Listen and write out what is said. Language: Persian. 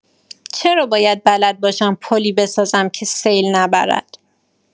چرا باید بلد باشم پلی بسازم که سیل نبرد.